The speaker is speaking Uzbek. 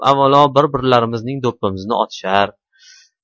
avvalo bir birimizning do'ppimizni otishar